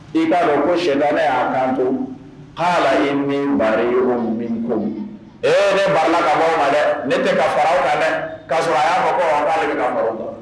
I k'a dɔn ko setanɛ y'a kantoo kaala ini barayegum min kum ee ne barila ka bɔ aw ma dɛ ne tɛ ka far'aw kan dɛ k'a sɔrɔ a y'a fɔ ko ɔn k'ale bɛ ka far'aw kan